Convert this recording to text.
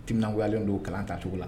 Diminyalen don kalan tacogo la